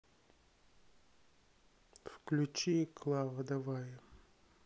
включи клава давай